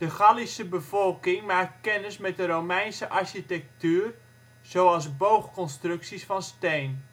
Gallische bevolking maakt kennis met de Romeinse architectuur, zoals boogconstructies van steen